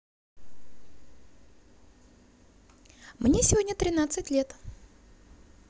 мне сегодня тринадцать лет